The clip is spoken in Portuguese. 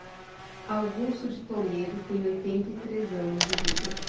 augusto de toledo tem oitenta e três anos de vida